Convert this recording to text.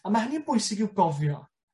A ma' hynny yn bwysig i'w gofio.